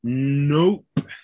Nope.